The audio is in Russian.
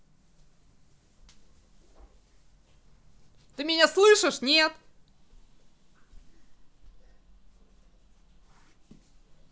ты меня слышишь нет